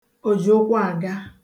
òjìụkwụàga